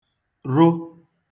rụ